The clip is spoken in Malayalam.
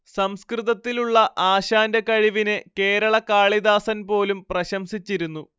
സംസ്കൃതത്തിലുള്ള ആശാന്റെ കഴിവിനെ കേരള കാളിദാസൻ പോലും പ്രശംസിച്ചിരുന്നു